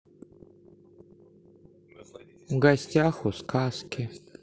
в гостях у сказки